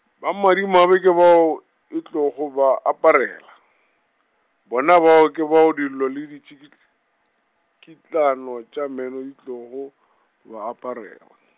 ba madimabe ke bao, e tlogo ba aparela, bona bao ke bao dillo le ditsikitl-, kitlano tša meno di tlogo, ba aparela.